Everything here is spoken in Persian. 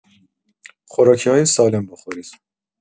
خوراکی‌های سالم بخورید.